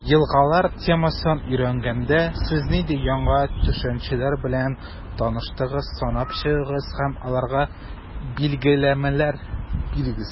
«елгалар» темасын өйрәнгәндә, сез нинди яңа төшенчәләр белән таныштыгыз, санап чыгыгыз һәм аларга билгеләмәләр бирегез.